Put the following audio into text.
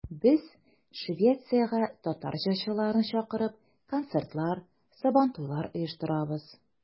Без, Швециягә татар җырчыларын чакырып, концертлар, Сабантуйлар оештырабыз.